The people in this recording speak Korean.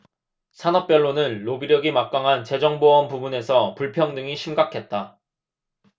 산업별로는 로비력이 막강한 재정 보험 부문에서 불평등이 심각했다